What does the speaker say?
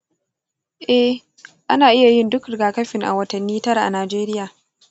eh, ana iya yin duk rigakafin a watanni tara a najeriya